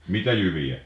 mitä jyviä